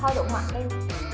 hơi đụng mặt em